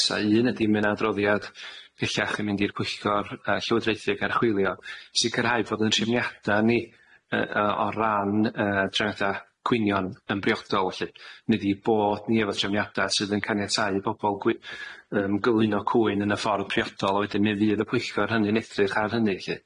Un ydi myn' adroddiad pellach i mynd i'r pwyllgor yy llywodraethig archwilio, sicirhau bod yn trefniada' ni yy yy o ran yy trefniada' cwynion yn briodol lly, mi 'dy 'i bod ni efo trefniada' sydd yn caniatáu i bobol gwi- yym gyluno cwyn yn y ffordd priodol a wedyn mi fydd y pwyllgor hynny'n edrych ar hynny 'lly.